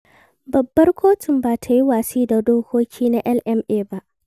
Babbar Kotun ba ta yi watsi da dokokin na LMA ba.